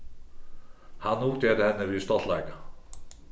hann hugdi at henni við stoltleika